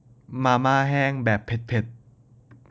มาม่าแห้งแบบเผ็ดเผ็ด